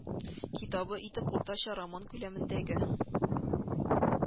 Китабы итеп уртача роман күләмендәге